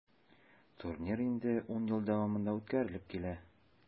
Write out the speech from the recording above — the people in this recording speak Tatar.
Турнир инде 10 ел дәвамында үткәрелеп килә.